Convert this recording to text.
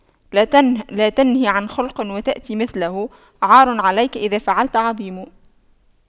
لا تنه عن خلق وتأتي مثله عار عليك إذا فعلت عظيم